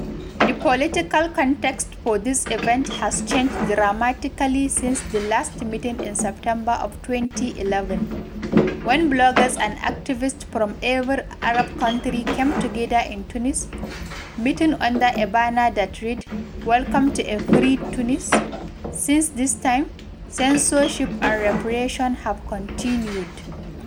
The political context for this event has changed dramatically since the last meeting in September of 2011, when bloggers and activists from every Arab country came together in Tunis, meeting under a banner that read: “Welcome to a Free Tunis.” Since this time, censorship and repression have continued.